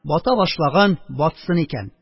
Бата башлаган батсын икән